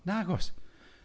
Nagoes.